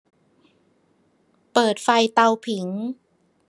เปิดไฟเตาผิง